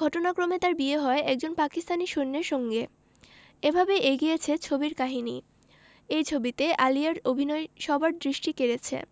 ঘটনাক্রমে তার বিয়ে হয় একজন পাকিস্তানী সৈন্যের সঙ্গে এভাবেই এগিয়েছে ছবির কাহিনী এই ছবিতে আলিয়ার অভিনয় সবার দৃষ্টি কেড়েছে